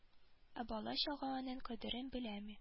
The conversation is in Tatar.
Ә бала-чага аның кадерен беләме